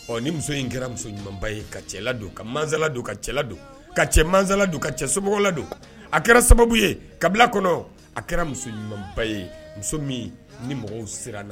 Ɔ ni muso in kɛra muso ɲumanba ye ka cɛ la don ka masala don ka cɛla don ka cɛ masasala don ka cɛ sola don a kɛra sababu ye kabila kɔnɔ a kɛra muso ɲumanba ye muso min ni mɔgɔw siran